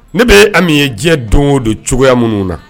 Ne bɛ Ami ye diɲɛ don o don cogoya minnu na